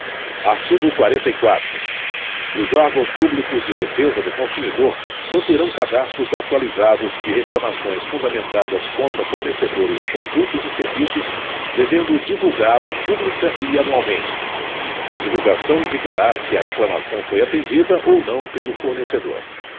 artigo quarenta e quatro os órgãos públicos de defesa do consumidor manterão cadastros atualizados de reclamações fundamentadas contra fornecedores de produtos e serviços devendo divulgá lo pública e anualmente a divulgação indicará se a reclamação foi atendida ou não pelo fornecedor